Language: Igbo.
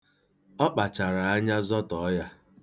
Ọ kpachara anya zọtọọ ya.